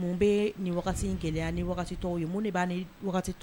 Mun bɛ ni in gɛlɛya ni tɔw ye mun de'